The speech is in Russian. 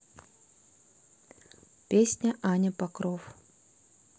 песня аня покров